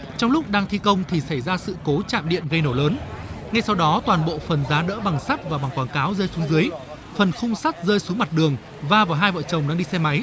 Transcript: trong lúc đang thi công thì xảy ra sự cố chạm điện gây nổ lớn ngay sau đó toàn bộ phần giá đỡ bằng sắt và bảng quảng cáo rơi xuống dưới phần khung sắt rơi xuống mặt đường va vào hai vợ chồng đang đi xe máy